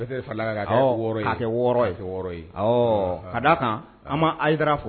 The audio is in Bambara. Kan ayi